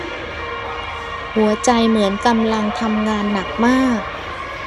หัวใจเหมือนกำลังทำงานหนักมาก